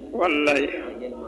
Kolilayi